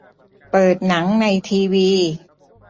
เปิดหนังในทีวี